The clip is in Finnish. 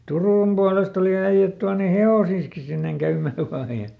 Turun puolesta oli äijät tuoneet hevosiansakin sinne käymään vain ja